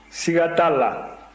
siga t'a la